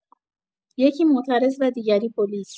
یکی معترض و دیگری پلیس